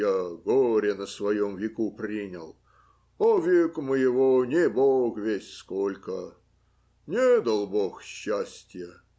я горя на своем веку принял, а веку моего не бог весть сколько. Не дал бог счастья.